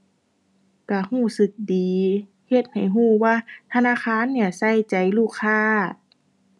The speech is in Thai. ก็ก็สึกดี เฮ็ดให้ก็ว่าธนาคารเนี่ยใส่ใจลูกค้า